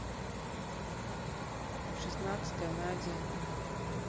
шестнадцатая на один